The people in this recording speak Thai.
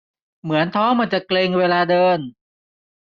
เหมือนท้องมันจะเกร็งเวลาเดิน